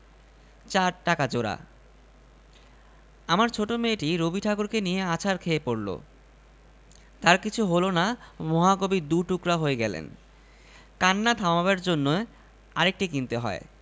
চার টাকা জোড়া আমার ছোট মেয়েটি রবিঠাকুরকে নিয়ে আছাড় খেয়ে পড়ল তার কিছু হল না মহাকবি দু টুকরা হয়ে গেলেন কান্না থামাবার জন্যে আরেকটি কিনতে হয়